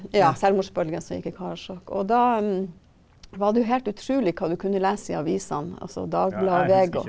ja selvmordsbølgen som gikk i Karasjok og da var det jo helt utrulig hva du kunne lese i avisene altså Dagbladet og VG og.